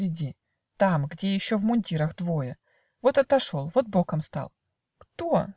впереди, Там, где еще в мундирах двое. Вот отошел. вот боком стал. - "Кто?